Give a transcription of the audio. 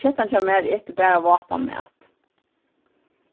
kettan hjá mær etur bara vátan mat